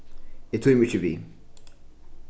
eg tími ikki við